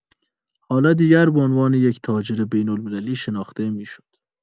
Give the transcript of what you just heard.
حالا دیگر به عنوان یک تاجر بین‌المللی شناخته می‌شد.